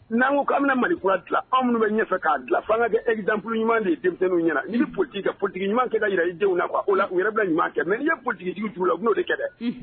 N'an ko k'an bɛna Malikura dilan anw minnu bɛ ɲɛfɛ k'a dilan fo an ka kɛ exemple ɲuman de ye denmisɛnnin ɲɛna n'i bɛ politique kɛ politique ɲuman kɛ ka jira i denw na quoi o la u yɛrɛ bɛna ɲuman kɛ mais n'i ye politique jugu jira u la bɛn'o de kɛ dɛ, unhun